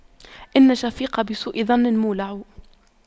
إن الشفيق بسوء ظن مولع